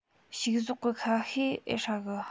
ཕྱུགས ཟོག གི ཤ ཤེད ཨེ ཧྲ གི